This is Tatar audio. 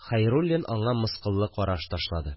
Хәйруллин аңа мыскыллы караш ташлады